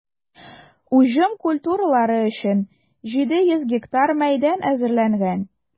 Уҗым культуралары өчен 700 га мәйдан әзерләнгән.